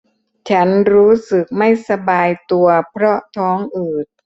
ฉันรู้สึกไม่สบายตัวเพราะท้องอืด